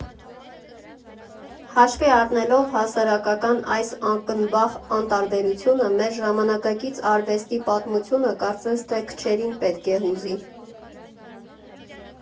Հաշվի առնելով հասարակական այս ակնբախ անտարբերությունը, մեր Ժամանակակից արվեստի պատմությունը կարծես թե քչերին պետք է հուզի։